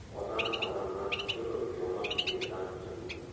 odam odamdan qutular yomon fe'lidan qutulmas